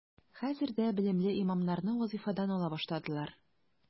Хәзер дә белемле имамнарны вазифадан ала башладылар.